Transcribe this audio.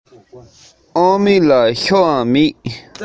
མིང ཚིག གསར པ ཞིག ཀྱང ཡིན